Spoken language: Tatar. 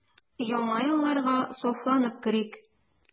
Яңа елларга сафланып керик.